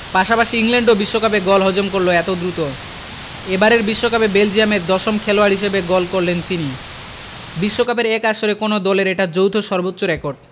পাশাপাশি ইংল্যান্ডও বিশ্বকাপে গোল হজম করল এত দ্রুত এবারের বিশ্বকাপে বেলজিয়ামের দশম খেলোয়াড় হিসেবে গোল করলেন তিনি বিশ্বকাপের এক আসরে কোনো দলের এটা যৌথ সর্বোচ্চ রেকর্ড